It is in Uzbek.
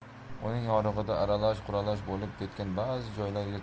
uning yorug'ida aralash quralash bo'lib ketgan bazi